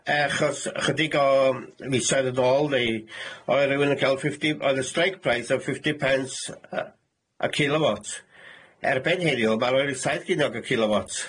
Achos y- ychydig o fisoedd yn dôl neu-, oedd rywun yn ca'l fifty- oedd y streic price o fifty pence y- y- y kilowatt. Erbyn heddiw mae'n rhoi saith giniog y kilowatt.